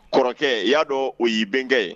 Kɔrɔkɛ y'a dɔn o y yei bɛnkɛ ye